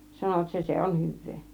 sanoivat se se on hyvää